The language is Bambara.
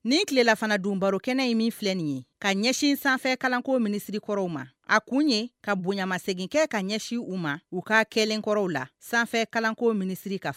Nin tilelafanadun baaro kɛnɛ in min filɛ nin ye, ka ɲɛsin sanfɛ kalanko ministre kɔrɔw ma, a kun ye ka bonyamasegin kɛ u ma u ka kɛlen kɔrɔw la, sanfɛ kalanko ministre kan